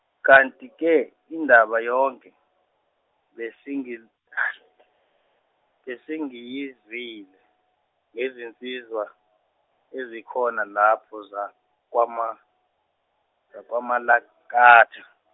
kanti ke indaba yonke, besingi- besengiyizwile ngezinsizwa, ezikhona lapho zakwama- zakwaMalakatha.